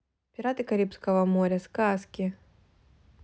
пираты карибского моря сказки